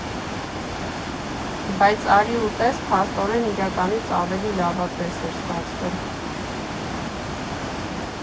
Բայց արի ու տես, փաստորեն, իրականից ավելի լավատես էր ստացվել։